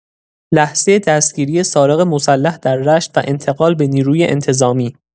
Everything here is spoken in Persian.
لحظه دستگیری سارق مسلح در رشت و انتقال به نیروی انتظامی